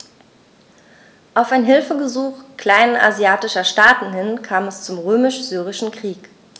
Auf ein Hilfegesuch kleinasiatischer Staaten hin kam es zum Römisch-Syrischen Krieg.